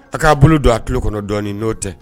A k'a bolo don a tulo kɔnɔ dɔɔnin n'o tɛ